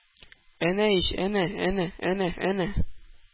-әнә ич, әнә, әнә, әнә, әнә!